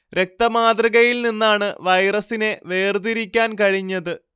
രക്ത മാതൃകയിൽ നിന്നാണ് വൈറസിനെ വേർതിരിക്കാൻ കഴിഞ്ഞത്